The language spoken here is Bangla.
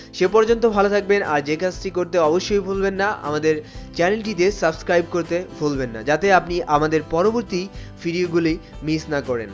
সে পর্যন্ত ভালো থাকবেন আর যে কাজটি করতে অবশ্যই ভুলবেন না আমাদের চ্যানেলটিকে সাবস্ক্রাইব করতে ভুলবেন না যাতে আপনি আমাদের পরবর্তী ভিডিওগুলি মিস না করেন